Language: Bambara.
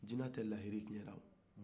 jina tɛ lahidu tiɲa